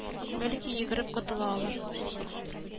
Бәлки йөгереп котыла алыр